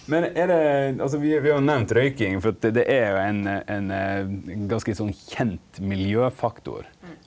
men er det altså vi vi har jo nemnt røyking for at det er jo ein ein ganske sånn kjend miljøfaktor.